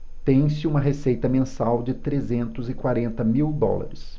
tem-se uma receita mensal de trezentos e quarenta mil dólares